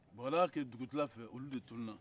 bon ala y'a kɛ dugutilafɛ olu de tununna